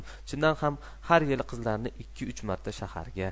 chindan ham har yili qizlarni ikki uch marta shaharga